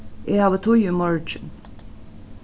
eg havi tíð í morgin